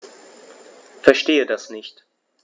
Verstehe das nicht.